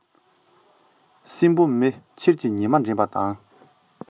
སྲིན བུ མེ ཁྱེར གྱིས ཉི མར འགྲན པ དང